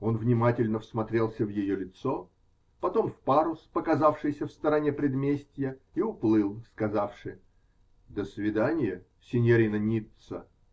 Он внимательно всмотрелся в ее лицо, потом в парус, показавшийся в стороне предместья, и уплыл, сказавши: -- До свидания, синьорина Ницца.